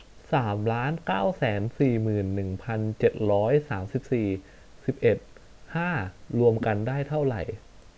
สามล้านเก้าแสนสี่หมื่นหนึ่งพันเจ็ดร้อยสามสิบสี่สิบเอ็ดห้ารวมกันได้เท่าไหร่